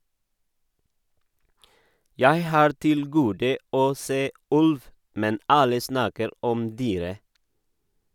- Jeg har til gode å se ulv , men alle snakker om dyret.